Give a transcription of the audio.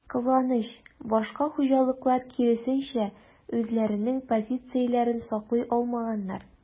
Кызганыч, башка хуҗалыклар, киресенчә, үзләренең позицияләрен саклый алмаганнар.